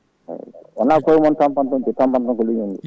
eyyi wona kooye tampanten de tampanten ko leeñol ngol